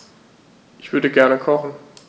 Ich würde gerne kochen.